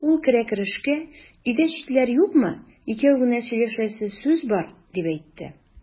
Ул керә-керешкә: "Өйдә читләр юкмы, икәү генә сөйләшәсе сүз бар", дип әйтте.